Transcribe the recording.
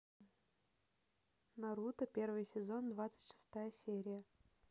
наруто первый сезон двадцать шестая серия